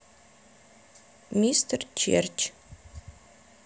мистер черч